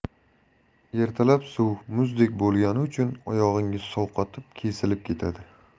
ertalab suv muzdek bo'lgani uchun oyog'ingiz sovqotib kesilib ketadi